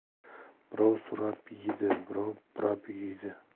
birov so'rab yeydi birov burab yeydi